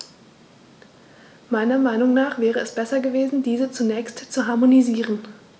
Meiner Meinung nach wäre es besser gewesen, diese zunächst zu harmonisieren.